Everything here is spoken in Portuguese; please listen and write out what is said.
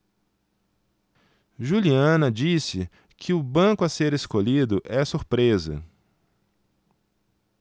juliana disse que o banco a ser escolhido é surpresa